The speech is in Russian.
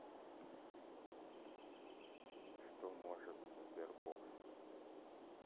что может sberbox